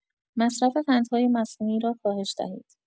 مصرف قندهای مصنوعی را کاهش دهید.